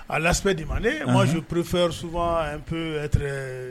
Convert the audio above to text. A lases di ma ne mazop pp sufa ppurt